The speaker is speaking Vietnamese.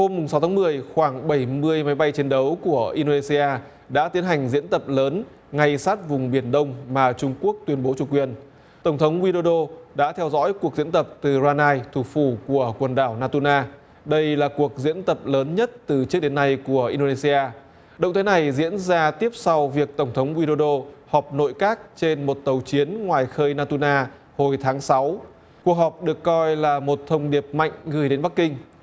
hôm mùng sáu tháng mười khoảng bảy mươi máy bay chiến đấu của in đô nê xi a đã tiến hành diễn tập lớn ngay sát vùng biển đông mà trung quốc tuyên bố chủ quyền tổng thống uy nô đô đã theo dõi cuộc diễn tập từ ra nai thủ phủ của quần đảo na tu na đây là cuộc diễn tập lớn nhất từ trước đến nay của in đô nê xi a động thái này diễn ra tiếp sau việc tổng thống uy nô đô họp nội các trên một tàu chiến ngoài khơi na tu na hồi tháng sáu cuộc họp được coi là một thông điệp mạnh gửi đến bắc kinh